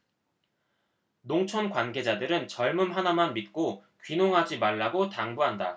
농촌 관계자들은 젊음 하나만 믿고 귀농하지 말라고 당부한다